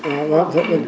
waaw